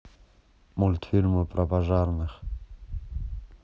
мультфильмы про пожарных